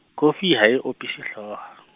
kofi ha e opise hlooho.